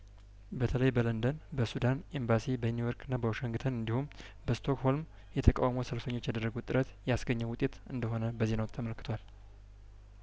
በተለይ በለንደን በሱዳን ኤምባሲ በኒውዮርክና በዋሽንግተን እንዲሁም በስቶክሆልም የተቃውሞ ሰልፈኞቹ ያደረጉት ጥረት ያስገኘው ውጤት እንደሆነ በዜናው ተመልክቷል